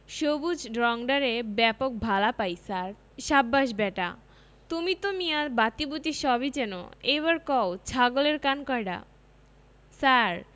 সবুজ রংডারে ব্যাপক ভালা পাই ছার সাব্বাস ব্যাটা তুমি তো মিয়া বাতিবুতি সবই চেনো এইবার কও ছাগলের কান কয়ডা ছার